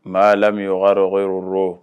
Maa lam yugargiru